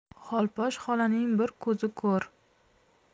xolposh xolaning bir ko'zi ko'r